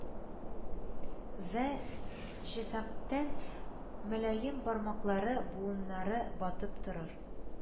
Вә җефәктән мөлаем бармаклары буыннары батып торыр